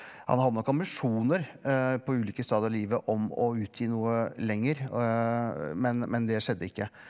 han hadde nok ambisjoner på ulike stadier i livet om å utgi noe lenger og men men det skjedde ikke.